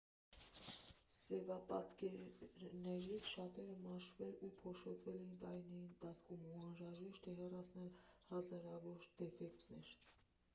Սևապատկերներից շատերը մաշվել ու փոշոտվել էին տարիների ընթացքում և անհրաժեշտ էր հեռացնել հազարավոր դեֆեկտներ։